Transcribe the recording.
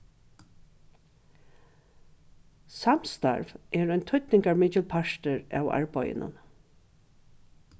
samstarv er ein týdningarmikil partur av arbeiðinum